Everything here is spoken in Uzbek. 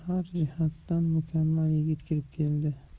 jihatdan mukammal yigit kirib keldi